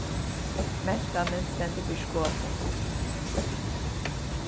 mentanin stendur fyri skotum